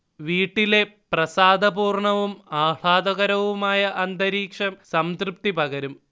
വീട്ടിലെ പ്രസാദപൂർണവും ആഹ്ലാദകരവുമായ അന്തരീക്ഷം സംതൃപ്തി പകരും